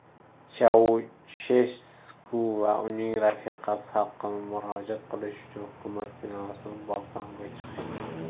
chaushesku va uning rafiqasi xalqqa murojaat qilish uchun hukumat binosi balkoniga chiqdi